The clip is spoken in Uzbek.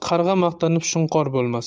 qarg'a maqtanib shunqor bo'lmas